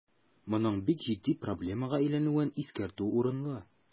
Моның бик җитди проблемага әйләнүен искәртү урынлы.